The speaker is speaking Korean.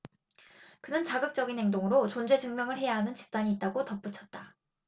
그는 자극적인 행동으로 존재증명을 해야 하는 집단이 있다고 덧붙였다